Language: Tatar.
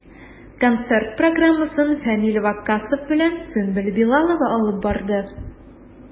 Концерт программасын Фәнил Ваккасов белән Сөмбел Билалова алып барды.